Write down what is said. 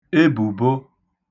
ebùbo